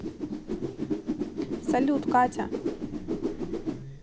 салют катя